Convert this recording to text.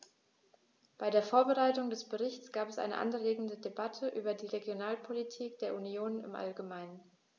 Bei der Vorbereitung des Berichts gab es eine anregende Debatte über die Regionalpolitik der Union im allgemeinen.